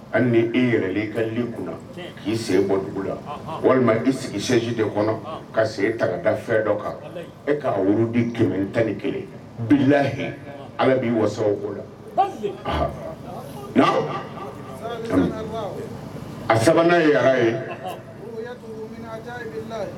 An ni e yɛrɛ e ka kun k'i sen bɔ dugu la walima i sigi sɛji de kɔnɔ ka segin e ta da fɛ dɔ kan e ka wu di tan ni kelen bilayi ala'i waso ko la a sabanan' ye ara ye